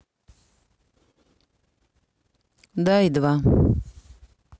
да и два